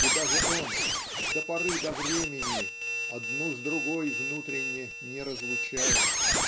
И даже он -- до поры до времени -- одну с другой внутренне не разлучает.